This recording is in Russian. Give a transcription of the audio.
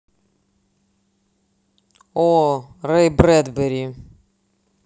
о рэй брэдбери